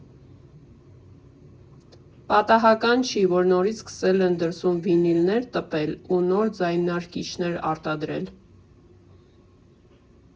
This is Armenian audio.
Պատահական չի, որ նորից սկսել են դրսում վինիլներ տպել ու նոր ձայնարկիչներ արտադրել։